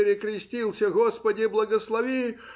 перекрестился, господи благослови!